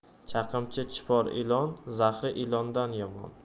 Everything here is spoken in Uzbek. chaqimchi chipor ilon zahri ilondan yomon